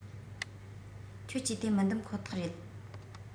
ཁྱོད ཀྱི དེ མི འདེམ ཁོ ཐག རེད